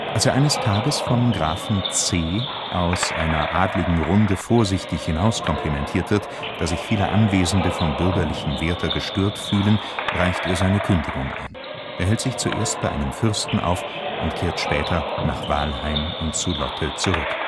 Als er eines Tages vom Grafen C. aus einer adeligen Runde vorsichtig hinauskomplimentiert wird, da sich viele Anwesende vom Bürgerlichen Werther gestört fühlen, reicht er seine Kündigung ein. Er hält sich zuerst bei einem Fürsten auf und kehrt später nach Wahlheim und zu Lotte zurück